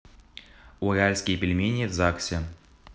уральские пельмени в загсе